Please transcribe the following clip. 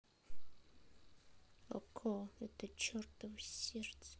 okko это чертово сердце